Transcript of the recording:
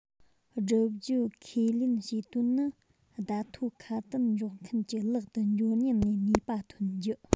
བསྒྲུབ རྒྱུ ཁས ལེན བྱེད དོན ནི བརྡ ཐོ ཁ དན འཇོག མཁན གྱི ལག ཏུ འབྱོར ཉིན ནས ནུས པ འཐོན རྒྱུ